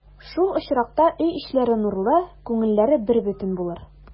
Шул очракта өй эчләре нурлы, күңелләре бербөтен булыр.